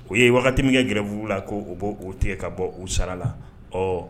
U ye waati min kɛ grève la, ko u b'o tigɛ ka bɔ u sara la ɔ